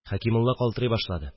Хәкимулла калтырый башлады